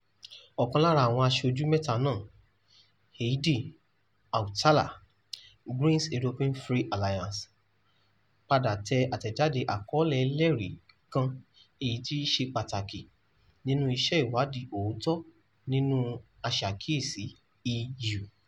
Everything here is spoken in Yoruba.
Ọkàn lára àwọn aṣojú mẹ́ta náà, Heidi Hautala (Greens-European-Free Alliance), padà tẹ àtẹ̀jáde àkọ́ọ́lẹ̀ ẹlẹ́rìí kan èyí tí í ṣe pàtàkì nínú iṣẹ́ ìwádìí òótọ́ nínú Aṣàkíyèsí EU